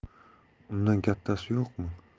undan kattasi yo'qmi